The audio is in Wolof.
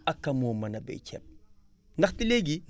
aka moo mën a bay ceeb ndaxte léegi